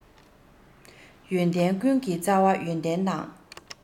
ཡོན ཏན ཀུན གྱི རྩ བ ཡོན ཏན དང